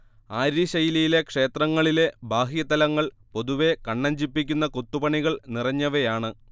ആര്യശൈലിയിലെ ക്ഷേത്രങ്ങളിലെ ബാഹ്യതലങ്ങൾ പൊതുവെ കണ്ണഞ്ചിപ്പിക്കുന്ന കൊത്തുപണികൾ നിറഞ്ഞവയാണ്